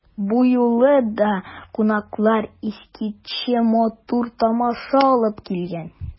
Бу юлы да кунаклар искиткеч матур тамаша алып килгән.